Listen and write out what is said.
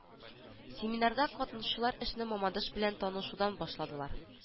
Семинарда катнашучылар эшне мамадыш белән танышудан башладылар